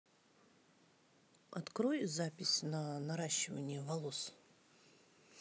открой запись на наращивание волос